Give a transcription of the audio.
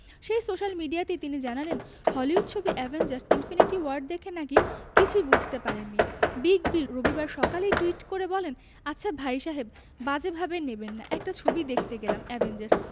সেই সোশ্যাল মিডিয়াতেই তিনি জানালেন হলিউড ছবি অ্যাভেঞ্জার্স ইনফিনিটি ওয়ার দেখে নাকি কিছুই বুঝতে পারেননি বিগ বি রবিবার সকালেই টুইট করে বলেন আচ্ছা ভাই সাহেব বাজে ভাবে নেবেন না একটা ছবি দেখতে গেলাম অ্যাভেঞ্জার্স.